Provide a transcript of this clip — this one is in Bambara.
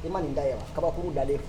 I ma nin da wa kabakuru dalenlen